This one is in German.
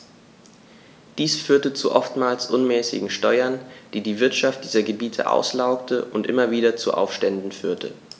Dies führte zu oftmals unmäßigen Steuern, die die Wirtschaft dieser Gebiete auslaugte und immer wieder zu Aufständen führte.